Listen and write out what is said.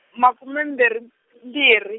makume mbirhi, mbirhi.